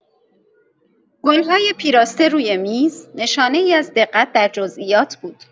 گل‌های پیراسته روی میز نشانه‌ای از دقت در جزئیات بود.